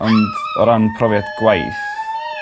Ond o ran profiad gwaith